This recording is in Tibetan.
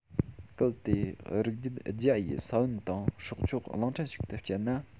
གལ ཏེ རིགས རྒྱུད བརྒྱ ཡི ས བོན དང སྲོག ཆགས གླིང ཕྲན ཞིག ཏུ བསྐྱལ ན